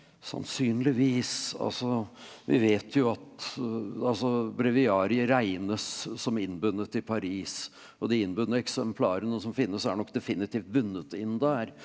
sannsynligvis altså vi vet jo at altså breviariet regnes som innbundet i Paris og de innbundne eksemplarene som finnes er nok definitivt bundet inn der.